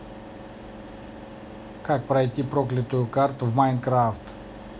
как пройти проклятую карту в minecraft